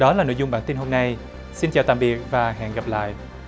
đó là nội dung bản tin hôm nay xin chào tạm biệt và hẹn gặp lại